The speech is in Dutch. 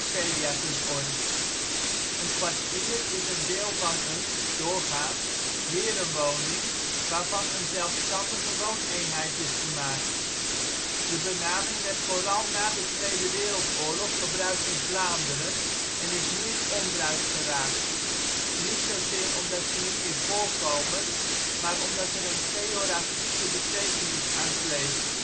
Een kwartier is een deel van een - doorgaans - herenwoning waarvan een zelfstandige wooneenheid is gemaakt. De benaming werd vooral na de Tweede Wereldoorlog gebruikt in Vlaanderen en is nu in onbruik geraakt. Niet zozeer omdat ze niet meer voorkomen maar omdat er een pejoratieve betekenis aan kleeft